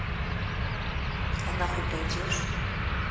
а нахуй пойдешь